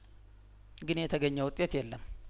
ግን የተገኘ ውጤት የለም